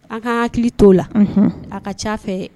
An ka an hakili t'o la, a ka c'a fɛ